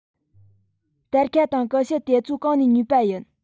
སྟར ཁ དང ཀུ ཤུ དེ ཚོ གང ནས ཉོས པ ཡིན